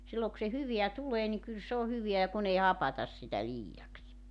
silloin kun se hyvää tulee niin kyllä se on hyvää ja kun ei hapata sitä liiaksi